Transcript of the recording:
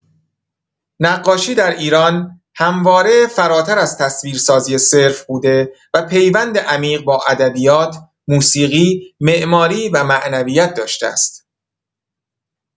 نقاشی در ایران همواره فراتر از تصویرسازی صرف بوده و پیوندی عمیق با ادبیات، موسیقی، معماری و معنویت داشته است.